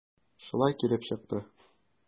Шулай килеп чыкты.